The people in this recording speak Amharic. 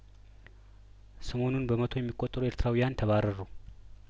ሰሞኑን በመቶ የሚቆጠሩ ኤርትራውያን ተባረሩ